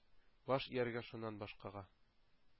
Баш ияргә шуннан башкага!